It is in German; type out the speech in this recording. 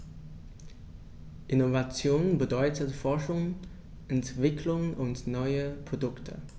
Innovation bedeutet Forschung, Entwicklung und neue Produkte.